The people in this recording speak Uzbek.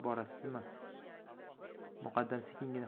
borasizmi muqaddam sekingina